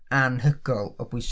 anhygoel o bwysig.